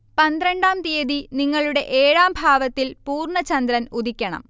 പന്ത്രണ്ടാം തീയതി നിങ്ങളുടെ ഏഴാം ഭാവത്തിൽ പൂർണ ചന്ദ്രൻ ഉദിക്കണം